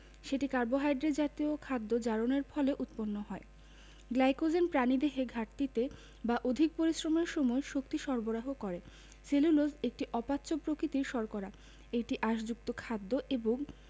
সেটি কার্বোহাইড্রেট জাতীয় খাদ্য জারণের ফলে উৎপন্ন হয় গ্লাইকোজেন প্রাণীদেহে ঘাটতিতে বা অধিক পরিশ্রমের সময় শক্তি সরবরাহ করে সেলুলোজ একটি অপাচ্য প্রকৃতির শর্করা এটি আঁশযুক্ত খাদ্য এবং